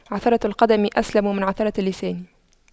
عثرة القدم أسلم من عثرة اللسان